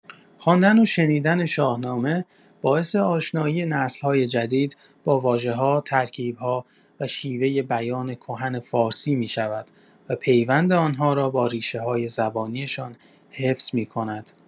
خواندن و شنیدن شاهنامه باعث آشنایی نسل‌های جدید با واژه‌ها، ترکیب‌ها و شیوه بیان کهن فارسی می‌شود و پیوند آن‌ها را با ریشه‌های زبانی‌شان حفظ می‌کند.